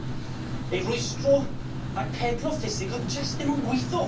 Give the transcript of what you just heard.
Ei rwystro rhag pedlo ffisig o'dd jyst ddim yn gwitho.